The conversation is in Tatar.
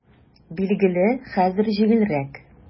Билгеле, хәзер җиңелрәк.